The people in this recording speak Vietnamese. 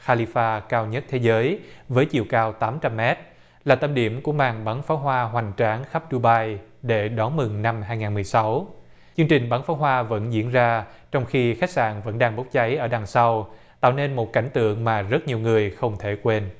ha li pha cao nhất thế giới với chiều cao tám trăm mét là tâm điểm của màn bắn pháo hoa hoành tráng khắp đu bai để đón mừng năm hai ngàn mười sáu chương trình bắn pháo hoa vẫn diễn ra trong khi khách sạn vẫn đang bốc cháy ở đằng sau tạo nên một cảnh tượng mà rất nhiều người không thể quên